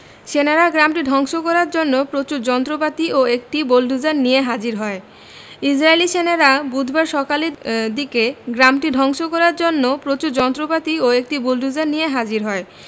সেনারা গ্রামটি ধ্বংস করার জন্য প্রচুর যন্ত্রপাতি ও একটি বোলডুজার নিয়ে হাজির হয় ইসরাইলী সেনারা বুধবার সকালের দিকে গ্রামটি ধ্বংস করার জন্য প্রচুর যন্ত্রপাতি ও একটি বোলডুজার নিয়ে হাজির হয়